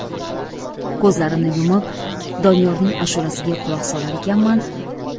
ko'zlarimni yumib doniyorning ashulasiga quloq solar ekanman